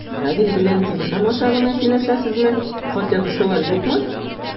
Равил белән телефон аша гына сөйләшәсезме, хат язышулар юкмы?